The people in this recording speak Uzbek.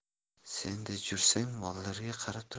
sen dejursan mollarga qarab turasan